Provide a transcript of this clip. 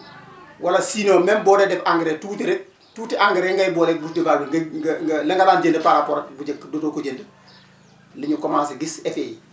wala sinon même boo dee def engrais tuuti rek tuuti engrais ngay booleeg bouse de vache bi nga nga la nga daan jëndee par rapport ak bu njëkk dootoo ko jënd li ñu commencé gis effet yi